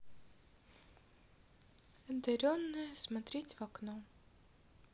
одаренная смотреть в окко